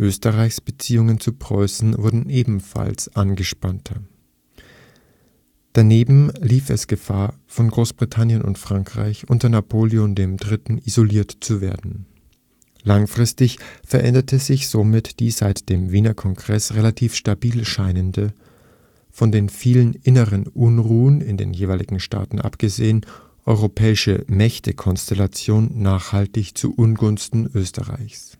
Österreichs Beziehungen zu Preußen wurden ebenfalls angespannter. Daneben lief es Gefahr, von Großbritannien und Frankreich unter Napoléon III. isoliert zu werden. Langfristig veränderte sich somit die seit dem Wiener Kongress relativ stabil scheinende (von den vielen inneren Unruhen in den jeweiligen Staaten abgesehen) europäische Mächtekonstellation nachhaltig zu Ungunsten Österreichs